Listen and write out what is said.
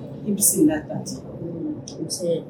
I bɛ na di